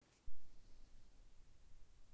осень листьями листьями